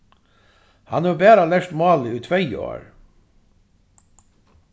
hann hevur bara lært málið í tvey ár